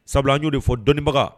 Sabula y' de fɔ dɔnibaga